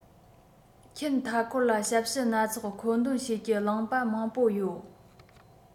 ཁྱེད མཐའ འཁོར ལ ཞབས ཞུ སྣ ཚོགས མཁོ འདོན བྱེད ཀྱི བླངས པ མང པོ ཡོད